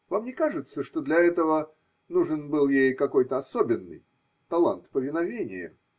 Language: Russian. Вам не кажется, что для этого нужен был ей какой-то особенный. талант повиновения?